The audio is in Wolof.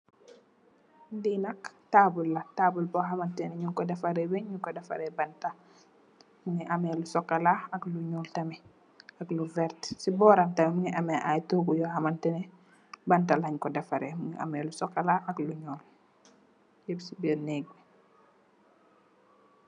Li nak tabull la, tabull bi xamteni ñing ko defaree weñ ñing ko defaree banta. Mugii ameh lu sokola ak lu ñuul tamit ak lu werta. Ci bóram tamit mugii ameh ay tóógu yoxamteni banta lañ ko defaree mugii ameh lu sokola ak lu ñuul.